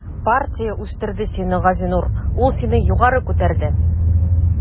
Партия үстерде сине, Газинур, ул сине югары күтәрде.